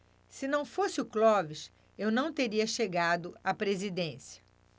se não fosse o clóvis eu não teria chegado à presidência